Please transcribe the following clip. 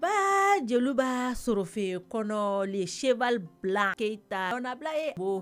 Ba jeliw b'a sɔrɔ fɛ kɔnɔli sebali bila keyita kɔnɔnabila ye